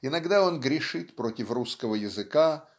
иногда он грешит против русского языка